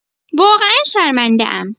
واقعا شرمنده‌ام.